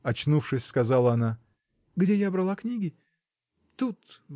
— очнувшись сказала она, — где я брала книги? Тут.